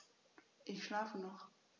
Ich schlafe noch.